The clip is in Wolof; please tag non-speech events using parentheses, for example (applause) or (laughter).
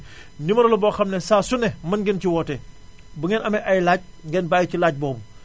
(inhales) numéro la boo xam ne saa su ne mën ngeen ci woote bu ngeen amee ay laaj ngeen bàyyi ci laaj boobu